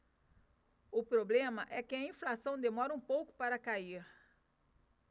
o problema é que a inflação demora um pouco para cair